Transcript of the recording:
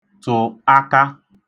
tụ̀ aka